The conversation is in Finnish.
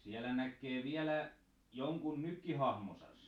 siellä näkee vielä jonkun nytkin hahmossansa